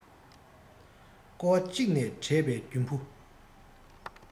ཀོ བ གཅིག ནས དྲས པའི རྒྱུན བུ